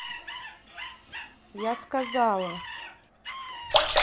я сказала